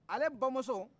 ale bamuso